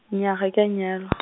nyaa ga ke a nyalwa.